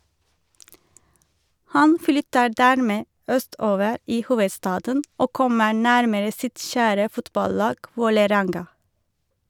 Han flytter dermed østover i hovedstaden, og kommer nærmere sitt kjære fotballag Vålerenga.